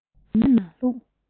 ཉི མ ནུབ ན ལྷུང